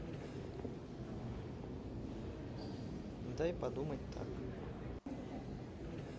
дай подумать так